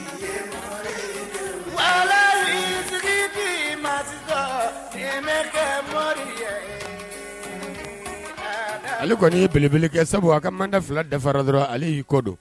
Kɔni y'i beleb kɛ sabu a ka ma fila dafara dɔrɔn ali y'i kɔ don